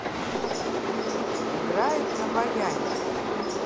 играет на баяне